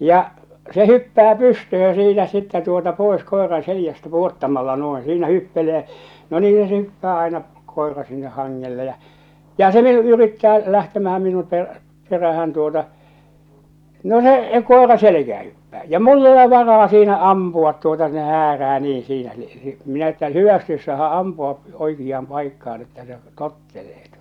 ja se hyppää pystyyn ja siinä sitten tuota pois koiran selästä pudottamalla noin siinä hyppelee ja no niinhän se hyppää aina koira sinne hangelle ja ja se vielä yrittää lähtemään minun - perään tuota no se koira selkään hyppää ja minulla ole varaa siinä ampua tuota ne häärää niin siinä niin minä että hyvästi olisi saada ampua oikeaan paikkaan että se tottelee tuota